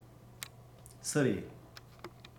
སུ རེད